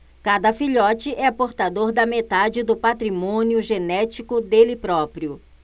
cada filhote é portador da metade do patrimônio genético dele próprio